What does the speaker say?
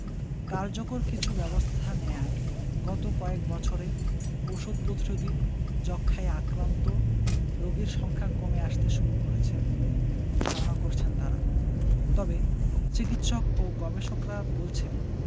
কার্যকর কিছু ব্যবস্থা নেয়ায় গত কয়েক বছরে ওষুধ প্রতিরোধী যক্ষ্মায় আক্রান্ত রোগীর সংখ্যা কমে আসতে শুরু করেছে বলে ধারণা করছেন তারা তবে চিকিৎসক ও গবেষকরা বলছেন